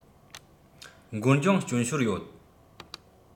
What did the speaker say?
འགོར འགྱངས སྐྱོན ཤོར ཡོད